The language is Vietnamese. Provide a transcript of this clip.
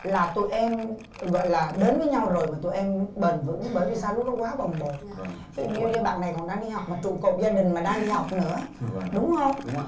là tụi em gọi là đến với nhau rồi mà tụi em bền vững bởi vì sao lúc đó góa bồng bột ví dụ như như bạn này còn đang đi học mà trụ cột gia đình mà đang đi học nữa đúng hông